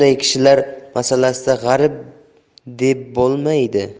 kishilar masalasida g'arib debbo'lmaydi